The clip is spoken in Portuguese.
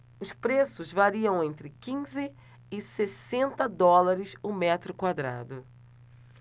os preços variam entre quinze e sessenta dólares o metro quadrado